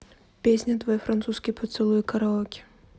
песня твой французский поцелуй караоке